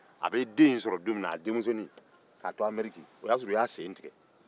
a b'a denmusonin in sɔrɔ don min na ameriki o y'a sɔrɔ u y'a sen tigɛ